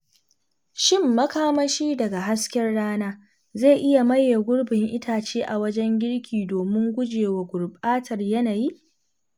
'Shin makamashi daga hasken rana zai iya maye gurbin itace a wajen girki domin guje wa gurɓatar yanayi?''